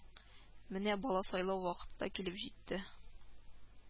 Менә бала сайлау вакыты да килеп җитте